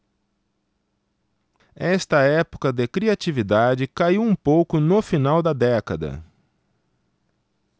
esta época de criatividade caiu um pouco no final da década